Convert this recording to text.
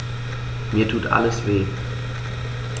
Mir tut alles weh.